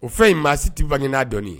O fɛn in maa siti bangegina dɔn